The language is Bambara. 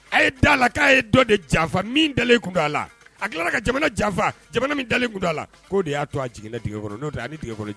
A ye da a la k'a ye dɔ defa dalen kun don a la a tila ka jamana jafa jamana dalen kun a la' de y'a to a jigin'